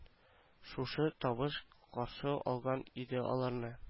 Шушы тавыш каршы алган иде аларны